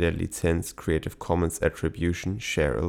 Lizenz Creative Commons Attribution Share